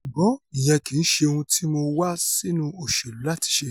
Ṣùgbọ́n ìyẹn kìí ṣe ohun tí Mo wá sínú òṣèlú láti ṣe.